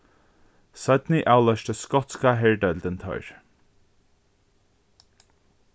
seinni avloysti skotska herdeildin teir